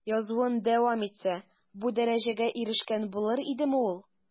Язуын дәвам итсә, бу дәрәҗәгә ирешкән булыр идеме ул?